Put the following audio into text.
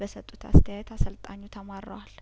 በሰጡት አስተያየት አሰልጣኙ ተማረዋል